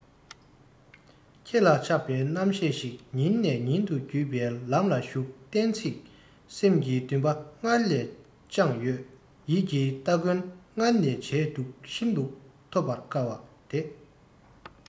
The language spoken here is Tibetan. ཁྱེད ལ ཆགས པའི རྣམ ཤེས ཤིག ཉིན ནས ཉིན དུ རྒུད པའི ལམ ལ ཞུགས གཏན ཚིགས སེམས ཀྱི འདུན པ སྔར ནས བཅངས ཡོད ཡིད ཀྱི སྟ གོན སྔར ནས བྱས འདུག ཤིན ཏུ ཐོབ དཀའ བ དེ